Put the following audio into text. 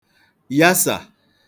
yasà